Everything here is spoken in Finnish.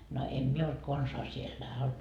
no en minä ollut konsaan siellä